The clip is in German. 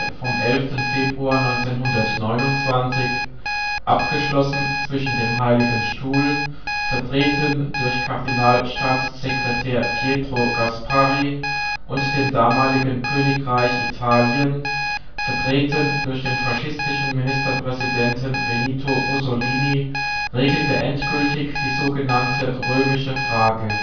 vom 11. Februar 1929, abgeschlossen zwischen dem Heiligen Stuhl (vertreten durch Kardinalstaatssekretär Pietro Gasparri) und dem damaligen Königreich Italien (vertreten durch den faschistischen Ministerpräsidenten Benito Mussolini), regelte endgültig die so genannte Römische Frage